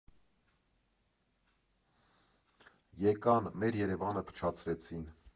Եկան, մեր Երևանը փչացրեցին։